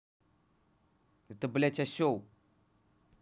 это блядь осел